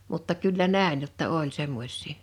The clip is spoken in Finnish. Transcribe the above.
mutta kyllä näin jotta oli semmoisia